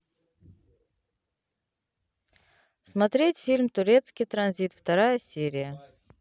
смотреть фильм турецкий транзит вторая серия